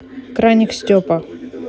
краник степа